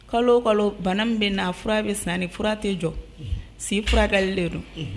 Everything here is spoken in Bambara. Kalo kalo bana min bɛ na fura bɛ ni fura tɛ jɔ si furakɛkalilen don